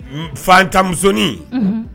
Fatan munin